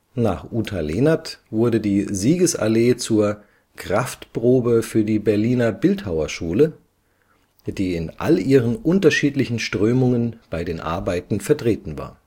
Nach Uta Lehnert wurde die Siegesallee zur „ Kraftprobe für die Berliner Bildhauerschule “, die in all ihren unterschiedlichen Strömungen bei den Arbeiten vertreten war